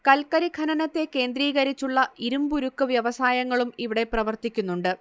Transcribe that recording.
കൽക്കരി ഖനനത്തെ കേന്ദ്രീകരിച്ചുള്ള ഇരുമ്പുരുക്ക് വ്യവസായങ്ങളും ഇവിടെ പ്രവർത്തിക്കുന്നുണ്ട്